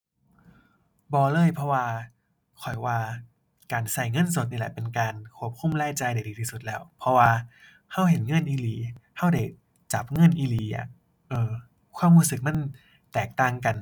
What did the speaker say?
บ่เลย เพราะว่าข้อยว่าใช้เงินสดนี่แหละเป็นการควบคุมรายจ่ายได้ดีที่สุดแล้ว เพราะว่าใช้เห็นเงินอีหลี ใช้ได้จับเงินอีหลีอะ เออ ความใช้สึกมันแตกต่างกัน